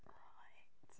Right.